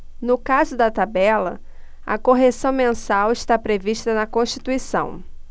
no caso da tabela a correção mensal está prevista na constituição